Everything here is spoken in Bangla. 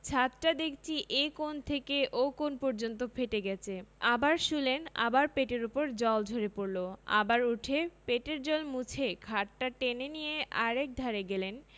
ছাতটা দেখচি এ কোণ থেকে ও কোণ পর্যন্ত ফেটে গেছে আবার শুলেন আবার পেটের উপর জল ঝরে পড়ল আবার উঠে পেটের জল মুছে খাটটা টেনে নিয়ে আর একধারে গেলেন